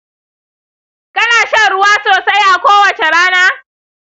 kana shan ruwa sosai a kowace rana?